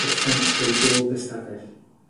Aethant trwy bob ystafell